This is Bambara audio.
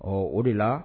Ɔ o de la